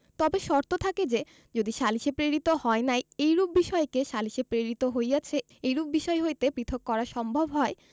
তবে শর্ত থাকে যে যদি সালিসে প্রেরিত হয় নাই এইরূপ বিষয়কে সালিসে প্রেরিত হইয়াছে এইরূপ বিষয় হইতে পৃথক করা সম্ভব হয়